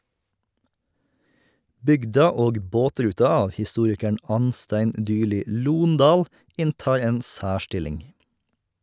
"Bygda og båtruta" av historikeren Anstein Dyrli Lohndal inntar en særstilling.